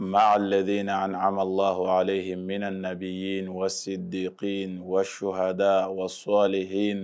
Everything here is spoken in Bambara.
Mɛ layi in na ani a amadu lah ale bɛna na nabi yen nin waatise de in waso hada wasoh